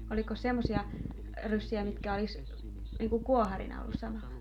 olikos semmoisia ryssiä mitkä olisi niin kuin kuoharina ollut samalla